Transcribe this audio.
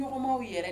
N aw maaw yɛrɛ